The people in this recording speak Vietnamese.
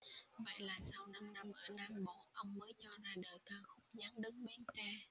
vậy là sau năm năm ở nam bộ ông mới cho ra đời ca khúc dáng đứng bến tre